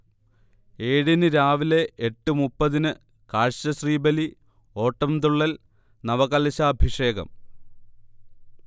ഏഴിന് രാവിലെ എട്ട് മുപ്പതിന് കാഴ്ചശ്രീബലി, ഓട്ടൻതുള്ളൽ, നവകലശാഭിഷേകം